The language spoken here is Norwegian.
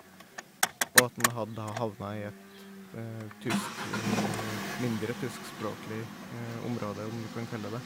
Og at en hadde da havna i et tysk mindre tyskspråklig område, om du kan kalle det det.